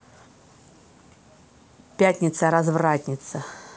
пятница развратница